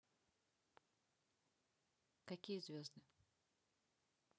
какие звезды